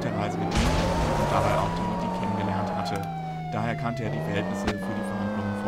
Reise gedient und dabei auch Tahiti kennen gelernt hatte, daher kannte er die Verhältnisse für die Verhandlungen